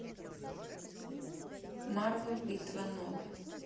марвел битва нова